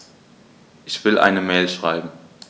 Ich will eine Mail schreiben.